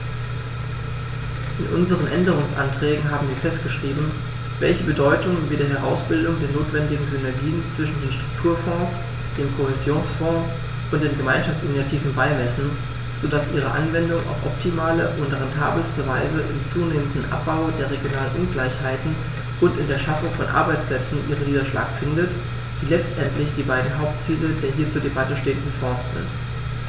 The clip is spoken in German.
In unseren Änderungsanträgen haben wir festgeschrieben, welche Bedeutung wir der Herausbildung der notwendigen Synergien zwischen den Strukturfonds, dem Kohäsionsfonds und den Gemeinschaftsinitiativen beimessen, so dass ihre Anwendung auf optimale und rentabelste Weise im zunehmenden Abbau der regionalen Ungleichheiten und in der Schaffung von Arbeitsplätzen ihren Niederschlag findet, die letztendlich die beiden Hauptziele der hier zur Debatte stehenden Fonds sind.